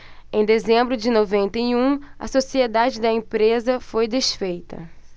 em dezembro de noventa e um a sociedade da empresa foi desfeita